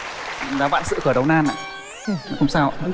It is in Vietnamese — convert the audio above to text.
dạ vạn sự khởi đầu nan ạ không sao ạ